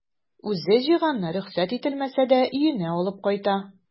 Үзе җыйганны рөхсәт ителмәсә дә өенә алып кайта.